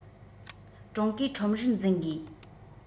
ཀྲུང གོའི ཁྲོམ རར འཛིན དགོས